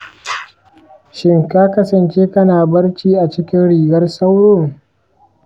shin ka kasance kana barci a cikin rigar sauro?